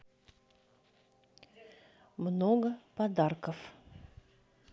много подарков